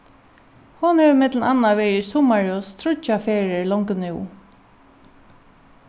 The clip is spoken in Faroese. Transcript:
hon hevur millum annað verið í summarhús tríggjar ferðir longu nú